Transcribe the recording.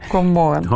god morgen.